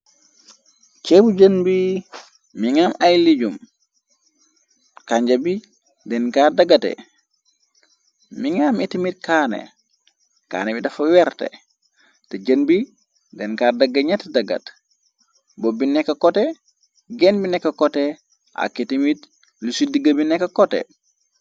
Ceebu jën bi mi ngaam ay lijum, kanja bi denkaar dagate, mi ngam itimit kaane, kane bi dafa werte, te jën bi den kaar daga nett dagat, bop bi nekka kote, genn bi neka kote, ak itimit, lu ci digga bi neka kote.